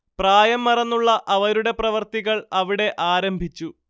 പ്രായം മറന്നുള്ള അവരുടെ പ്രവർത്തികൾ അവിടെ ആരംഭിച്ചു